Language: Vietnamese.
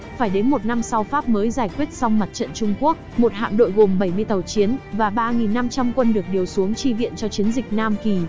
phải đến năm sau pháp mới giải quyết xong mặt trận trung quốc hạm đội gồm tàu chiến và quân được điều xuống chi viện cho chiến dịch nam kỳ